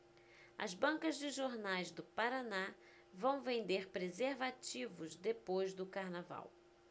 as bancas de jornais do paraná vão vender preservativos depois do carnaval